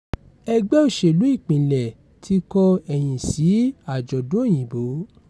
4. Ẹgbẹ́ òṣèlú-ìpínlẹ̀ ti kọ ẹ̀yìn sí àjọ̀dún Òyìnbó.